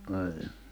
niin